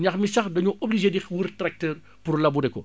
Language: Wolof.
ñax mi sax dañoo obliger di wër tracteur pour labourer ko